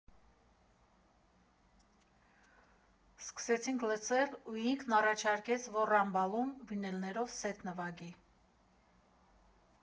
Սկսեցինք լսել ու ինքն առաջարկեց, որ Ռամբալում վինիլներով սեթ նվագի։